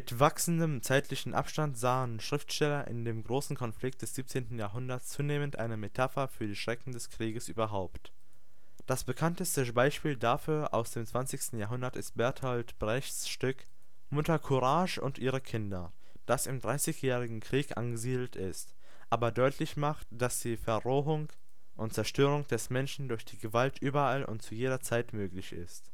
wachsendem zeitlichen Abstand sahen Schriftsteller in dem großen Konflikt des 17. Jahrhunderts zunehmend eine Metapher für die Schrecken des Krieges überhaupt. Das bekannteste Beispiel dafür aus dem 20. Jahrhundert ist Bertolt Brechts Stück „ Mutter Courage und ihre Kinder “, das im Dreißigjährigen Krieg angesiedelt ist, aber deutlich macht, dass die Verrohung und Zerstörung des Menschen durch die Gewalt überall und zu jeder Zeit möglich ist